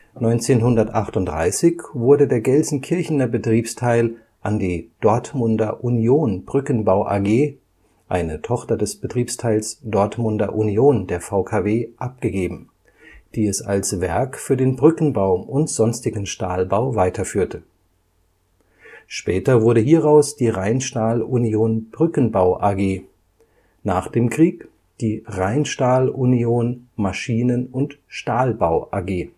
1938 wurde der Gelsenkirchener Betriebsteil an die Dortmunder Union Brückenbau AG (eine Tochter des Betriebsteils Dortmunder Union der VKW) abgegeben, die es als Werk für den Brückenbau und sonstigen Stahlbau weiterführte. Später wurde hieraus die Rheinstahl-Union Brückenbau AG, nach dem Krieg die Rheinstahl-Union Maschinen - und Stahlbau AG